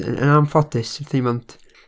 Y- yn anffodus, wnaethon ni mond,